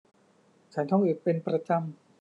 ฉันท้องอืดเป็นประจำ